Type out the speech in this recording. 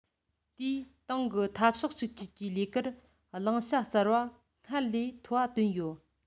དེས ཏང གི འཐབ ཕྱོགས གཅིག གྱུར གྱི ལས ཀར བླང བྱ གསར པ སྔར ལས མཐོ བ བཏོན ཡོད